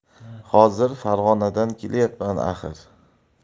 hozir farg'onadan kelyapman axir